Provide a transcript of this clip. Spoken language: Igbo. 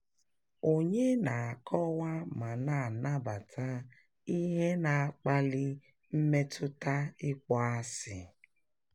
Ònyé na-akọwa ma na-anabata ihe na-akpali mmetụta ịkpọasị?